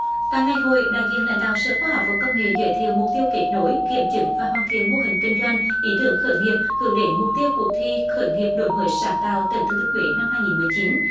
tại ngày hội đại diện lãnh đạo sở khoa học và công nghệ giới thiệu mục tiêu kết nối kiểm chứng và hoàn thiện mô hình kinh doanh ý tưởng khởi nghiệp hướng đến mục tiêu cuộc thi khởi nghiệp đổi mới sáng tạo tỉnh thừa thiên huế năm hai nghìn mười chín